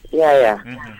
Maria